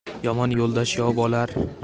yomon yo'ldosh yov bo'lar